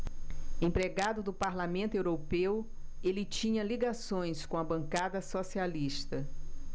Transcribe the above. empregado do parlamento europeu ele tinha ligações com a bancada socialista